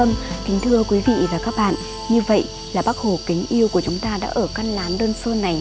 vâng kính thưa quý vị và các bạn như vậy là bác hồ kính yêu của chúng ta đã ở căn lán đơn sơ này